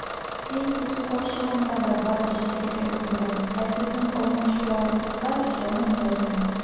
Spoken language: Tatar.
Мин үз карчыгымда да барып җитәргә өлгерәм, ә сезнең алмачуарыгызга җаным ятмый.